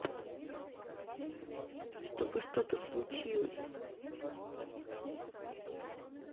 чтобы что то случилось